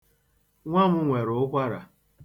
Nwa m nwere ụkwara.